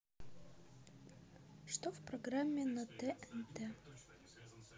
что в программе на тнт